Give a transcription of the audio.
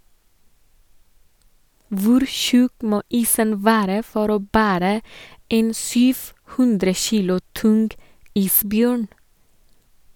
Hvor tjukk må isen være for å bære en 7 00 kilo tung isbjørn?